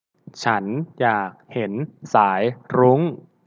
ฉันอยากเห็นสายรุ้ง